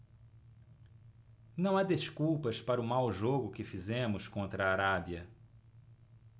não há desculpas para o mau jogo que fizemos contra a arábia